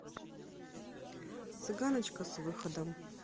цыганочка с выходом